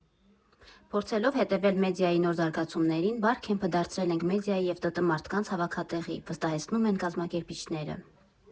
Փորձելով հետևել մեդիայի նոր զարգացումներին՝ Բարքեմփը դարձրել ենք մեդիայի և ՏՏ մարդկանց հավաքատեղի»,֊ վստահեցնում են կազմակերպիչները։